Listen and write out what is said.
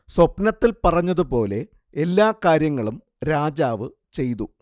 സ്വപ്നത്തിൽ പറഞ്ഞതുപോലെ എല്ലാ കാര്യങ്ങളും രാജാവ് ചെയ്തു